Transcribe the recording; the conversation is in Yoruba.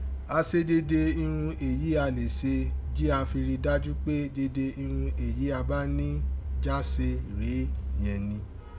A se dede irun èyí a lè se jí a fi ri dájú pé dede irun èyí a bá ní já se rèé yẹn rin.